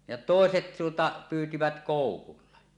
ja toiset tuota pyysivät koukulla